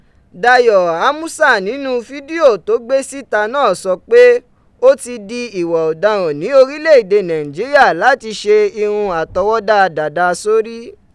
Dayo Amusa ninu fidio to gbe sita naa sọ pe, o ti di iwa ọdaran ni orilẹ ede Naijiria lati se irun atọwọda Dàda sórí.